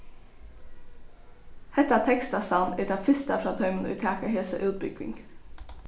hetta tekstasavn er tað fyrsta frá teimum ið taka hesa útbúgving